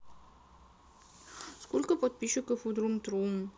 сколько подписчиков у трум трум